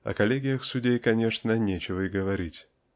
о коллегиях судей, конечно, нечего и говорить.